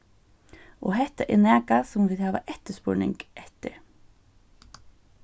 og hetta er nakað sum vit hava eftirspurning eftir